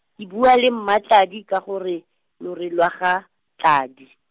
ke bua le Mmatladi ka go re, lore lwa ga, Tladi.